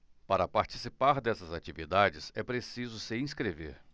para participar dessas atividades é preciso se inscrever